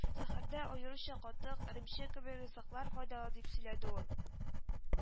Сәхәрдә, аеруча, катык, эремчек кебек ризыклар файдалы дип сөйләде ул